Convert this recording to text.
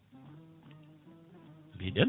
mbiɗen